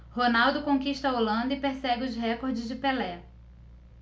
ronaldo conquista a holanda e persegue os recordes de pelé